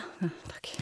Takk.